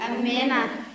amiina